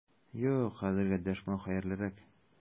Юк, хәзергә дәшмәү хәерлерәк!